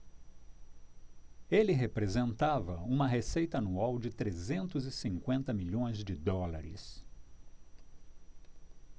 ele representava uma receita anual de trezentos e cinquenta milhões de dólares